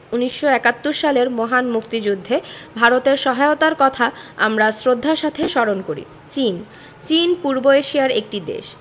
১৯৭১ সালের মহান মুক্তিযুদ্ধে ভারতের সহায়তার কথা আমরা শ্রদ্ধার সাথে স্মরণ করি চীন চীন পূর্ব এশিয়ার একটি দেশ